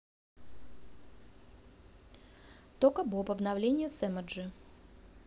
тока боб обновление с emoji